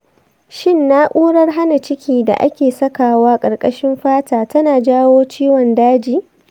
shin na’urar hana ciki da ake sakawa ƙarƙashin fata tana jawo ciwon daji?